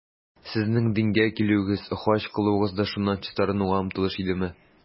Сезнең дингә килүегез, хаҗ кылуыгыз да шуннан чистарынуга омтылыш идеме?